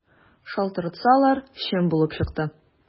Шалтыратсалар, чын булып чыкты.